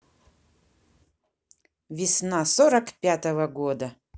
весна сорок пятого года